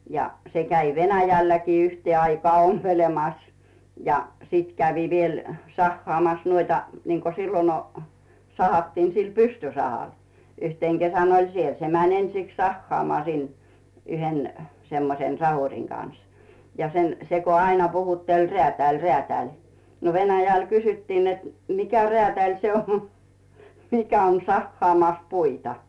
ja se kävi Venäjälläkin yhteen aikaan ompelemassa ja sitten kävi vielä sahaamassa noita niin kuin silloin - sahattiin sillä pystysahalla yhtenä kesänä oli siellä se meni ensiksi sahaamaan sinne yhden semmoisen sahurin kanssa ja sen se kun aina puhutteli räätäli räätäli no Venäjällä kysyttiin että mikä räätäli se on mikä on sahaamassa puita